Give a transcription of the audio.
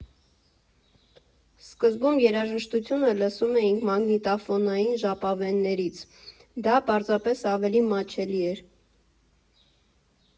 Սկզբում երաժշտությունը լսում էինք մագնիտոֆոնային ժապավեններից, դա պարզապես ավելի մատչելի էր։